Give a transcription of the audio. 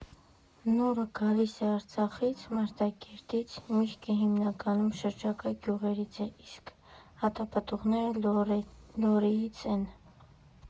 Նուռը գալիս է Արցախից՝ Մարտակերտից, միրգը հիմնականում շրջակա գյուղերից է, իսկ հատապտուղները Լոռիից են։